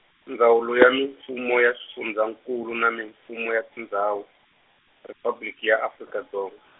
Ndzawulo ya Mifumo ya Swifundzankulu na Mifumo ya Tindzhawu, Riphabliki ya Afrika Dzonga.